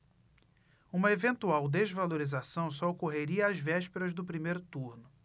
uma eventual desvalorização só ocorreria às vésperas do primeiro turno